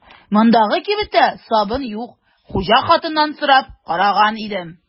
Мондагы кибеттә сабын юк, хуҗа хатыннан сорап караган идем.